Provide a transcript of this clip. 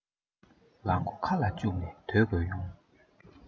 ལག མགོ ཁ ལ བཅུག ནས སྡོད དགོས ཡོང